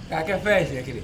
K'a kɛ fɛn ye siɲɛ 1